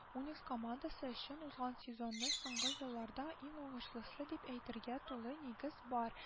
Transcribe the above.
УНИКС командасы өчен узган сезонны соңгы елларда иң уңышлысы дип әйтергә тулы нигез бар